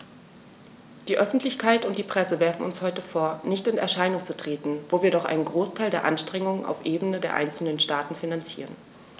Die Öffentlichkeit und die Presse werfen uns heute vor, nicht in Erscheinung zu treten, wo wir doch einen Großteil der Anstrengungen auf Ebene der einzelnen Staaten finanzieren.